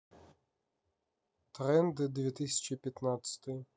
тренды две тысячи пятнадцатый